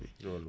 loolula